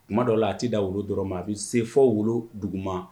Kuma dɔ la a t'i da wolo dɔrɔn ma a bɛ sefɔ wolo duguman